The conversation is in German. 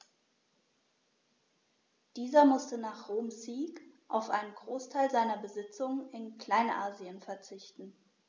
Dieser musste nach Roms Sieg auf einen Großteil seiner Besitzungen in Kleinasien verzichten.